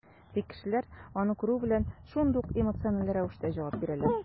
Тик кешеләр, аны күрү белән, шундук эмоциональ рәвештә җавап бирәләр.